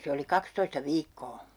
se oli kaksitoista viikkoa